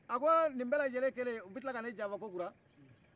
a ko ninbɛlajɛlen kɛlenu bɛ tila ka ne janfa kokura